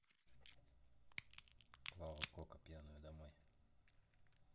клава кока пьяную домой